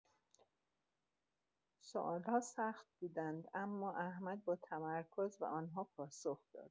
سوال‌ها سخت بودند، اما احمد با تمرکز به آن‌ها پاسخ داد.